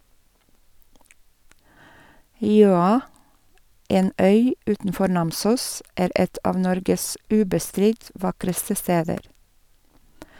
Jøa, en øy utenfor Namsos, er et av Norges ubestridt vakreste steder.